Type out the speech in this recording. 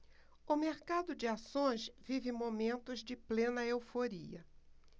o mercado de ações vive momentos de plena euforia